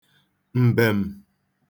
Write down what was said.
m̀bèm̀